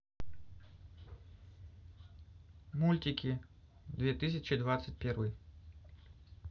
мультики две тысячи двадцать первый